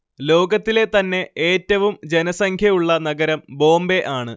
ലോകത്തിലെ തന്നെ ഏറ്റവും ജനസംഖ്യ ഉള്ള നഗരം ബോംബെ ആണ്